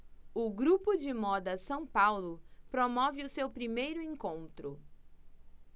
o grupo de moda são paulo promove o seu primeiro encontro